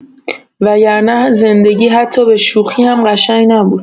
وگرنه زندگی حتی به‌شوخی هم قشنگ نبود.